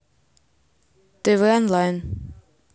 тв онлайн